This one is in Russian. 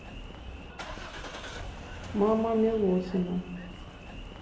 мама милохина